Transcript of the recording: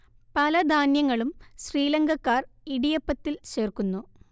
പല ധാന്യങ്ങളും ശ്രീലങ്കക്കാർ ഇടിയപ്പത്തിൽ ചേർക്കുന്നു